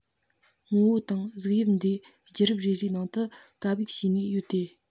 ངོ བོ དང གཟུགས དབྱིབས འདི རྒྱུད རབས རེ རེའི ནང དུ གབ ཡིབ བྱས ནས ཡོད དེ